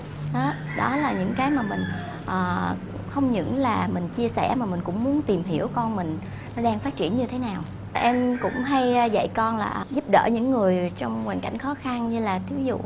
đó là những cái mà mình à không những là mình chia sẻ mình cũng muốn tìm hiểu con mình nó đang phát triển như thế nào em cũng hay dạy con là giúp đỡ những người trong hoàn cảnh khó khăn như là thí vụ